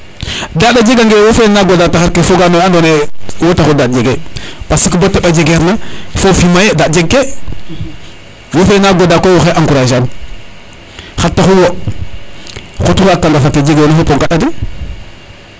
daaɗa jega nge wo feke na goda taxar ke foga no we ando naye wo taxu daaɗ jege parce bo teɓa jegeer na fofi maye daaɗ jeg ke wo fe na goda koy waxey encourager an xa taxu wo xotiro a kaŋafe jegona fop o